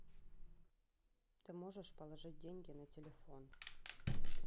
ты можешь положить деньги на телефон